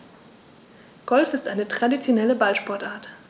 Golf ist eine traditionelle Ballsportart.